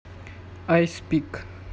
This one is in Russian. ice pick